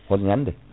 hol ñade